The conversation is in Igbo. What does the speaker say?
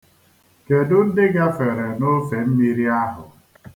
Kedu ndị gafere n'ofemmiri ahụ?